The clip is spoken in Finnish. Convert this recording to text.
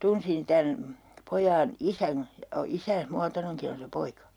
tunsin tämän pojan isän ja isänsä muotoinenkin on se poika